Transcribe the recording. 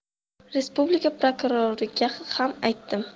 respublika prokuroriga ham aytdim